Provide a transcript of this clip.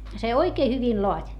se oikein hyvin laati